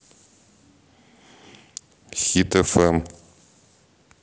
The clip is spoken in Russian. хит фм